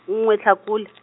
nngwe Tlhakole.